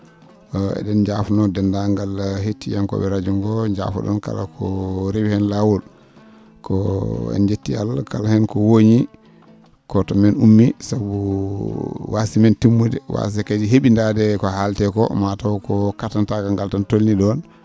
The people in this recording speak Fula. e?en jafno denndaangal hettiyanko?e radio ngo jafa?on kala ko rewi heen laawol ko en jetti Allah kala heen ko woñi koto men ummi sabu wasde men timmude wasde kadi hee?idade ko haaletee ko mataw ko katantagal ngal tan tolni ?on